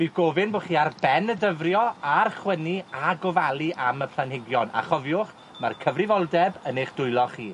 Bydd gofyn bo' chi ar ben y dyfrio a'r chwynnu a'r gofalu am y planhigion, a chofiwch, ma'r cyfrifoldeb yn eich dwylo chi.